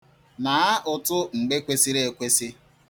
Naa ụtụ mgbe kwesiri ekwesi.